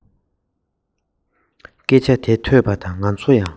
སྐད ཆ དེ ཐོས པ དང ང ཚོ ཡང